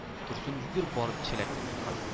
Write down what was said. tursun yugurib borib chelakni tutqazdi